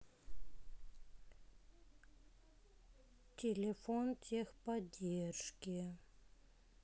телефон техподдержки